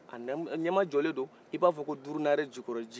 a ɲama jɔlen do i b'a fɔ ko durunare jukɔrɔlaji